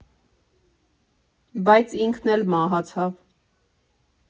Բայց ինքն էլ մահացավ։